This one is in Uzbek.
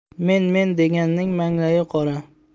men men deganning manglayi qora